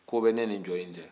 ko bɛ ne ni jɔ in cɛ